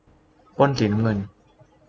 ปล้นสีน้ำเงิน